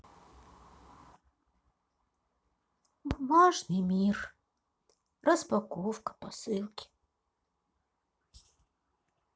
бумажный мир распаковка посылки